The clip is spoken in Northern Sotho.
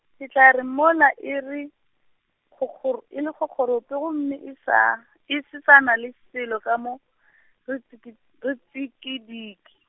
ke tla re mola e re, kgo kgor-, ke le kgo kgoro, peo gomme e sa, e se sa na le selo ka mo , re tsiki-, re tšhikidi.